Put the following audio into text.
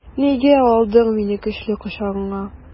Нигә алдың мине көчле кочагыңа?